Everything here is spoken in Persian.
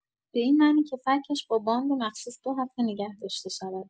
به این معنی که فک‌اش با باند مخصوص دو هفته نگه داشته شود.